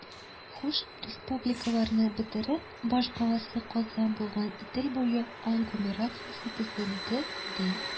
Хуш, республикаларны бетереп, башкаласы Казан булган Идел буе агломерациясе төзелде ди